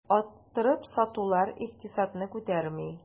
Арттырып сатулар икътисадны күтәрми.